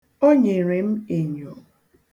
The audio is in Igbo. O nyere m enyo.